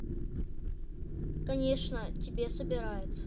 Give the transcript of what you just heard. конечно тебе собирается